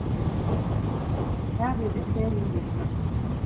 tað vil eg fegin vita